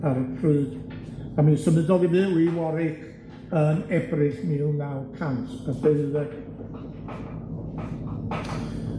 ar y pryd, a mi symudodd i fyw i Warwick yn Ebrill mil naw cant a deuddeg.